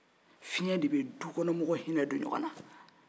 fiyɛn de bɛ dukɔnɔ mɔgɔw hinɛw don ɲɔgɔn na